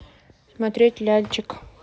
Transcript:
смотреть лялечек